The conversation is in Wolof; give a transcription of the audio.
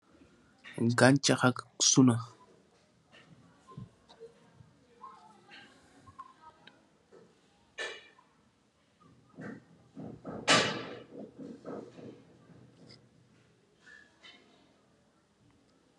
Ganchakhak suneuh.